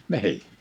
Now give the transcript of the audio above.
niin